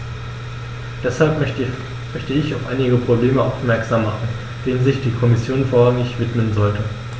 Deshalb möchte ich auf einige Probleme aufmerksam machen, denen sich die Kommission vorrangig widmen sollte.